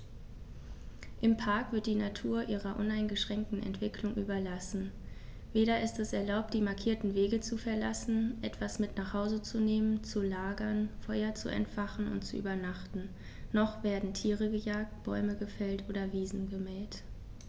Im Park wird die Natur ihrer uneingeschränkten Entwicklung überlassen; weder ist es erlaubt, die markierten Wege zu verlassen, etwas mit nach Hause zu nehmen, zu lagern, Feuer zu entfachen und zu übernachten, noch werden Tiere gejagt, Bäume gefällt oder Wiesen gemäht.